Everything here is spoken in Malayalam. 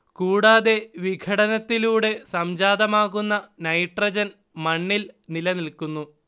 കൂടാതെ വിഘടനത്തിലൂടെ സംജാതമാകുന്ന നൈട്രജൻ മണ്ണിൽ നിലനിൽക്കുന്നു